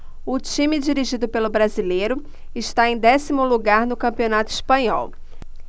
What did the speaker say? o time dirigido pelo brasileiro está em décimo lugar no campeonato espanhol